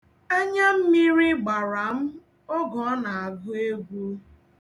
Anya mmiri gbara m oge ọ na-agụ egwu.